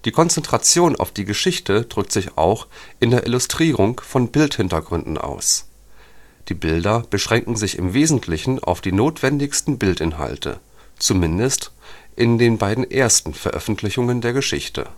Konzentration auf die Geschichte drückt sich auch in der Illustrierung von Bildhintergründen aus: Die Bilder beschränken sich im Wesentlichen auf die notwendigsten Bildinhalte – zumindest in den beiden ersten Veröffentlichungen der Geschichte